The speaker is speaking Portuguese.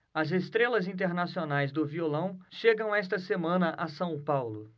as estrelas internacionais do violão chegam esta semana a são paulo